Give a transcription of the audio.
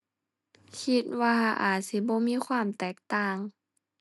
คิดว่าอาจสิบ่มีความแตกต่าง